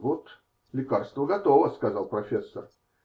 -- Вот лекарство готово, -- сказал профессор.